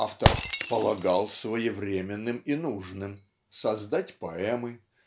Автор полагал своевременным и нужным создать поэмы